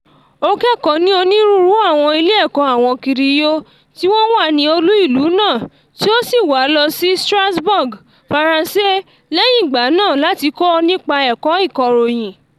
Ó kẹ́kọ̀ọ́ ní onírúurú àwọn ilé-ẹ̀kọ́ àwọn Kiriyó tí wọ́n wà ní olú-ìlú náà tí ó sì wá lọ sí Strasbourg, France lẹ́yìn ìgbà náà láti kọ́ nípa ẹ̀kọ́ ìkọ̀ròyìn.